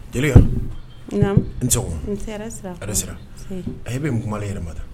Jeliba n tɛ a bɛ n kuma yɛrɛ mada